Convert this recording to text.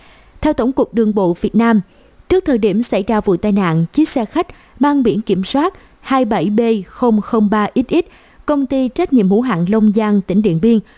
theo tổng cục đường bộ việt nam trước thời điểm xảy ra vụ tai nạn xe khách mang bks b xx